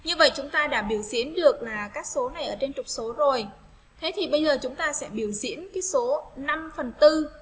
như vậy chúng ta đã biểu diễn được là các số này ở trên trục số rồi thế thì bây giờ chúng ta sẽ biểu diễn cái số